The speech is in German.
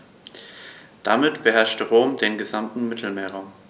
Damit beherrschte Rom den gesamten Mittelmeerraum.